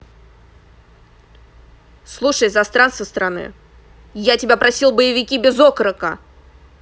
слушай засранство страны я тебя просил боевики без окорока